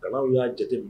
Ganw y'a jate